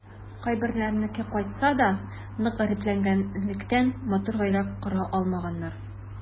Кайберләренеке кайтса да, нык гарипләнгәнлектән, матур гаилә кора алмаганнар.